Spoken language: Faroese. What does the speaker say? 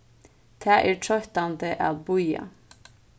tað er troyttandi at bíða